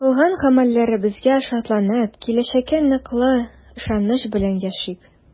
Кылган гамәлләребезгә шатланып, киләчәккә ныклы ышаныч белән яшик!